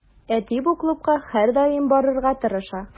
Әти бу клубка һәрдаим барырга тырыша.